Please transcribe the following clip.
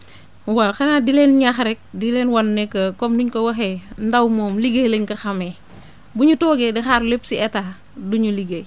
waaw xanaa di leen ñaax rek di leen wan ne que comme ni nga ko waxee ndaw moom liggéey lañ ko xamee bu ñu toogee di xaar lépp si état du ñu liggéey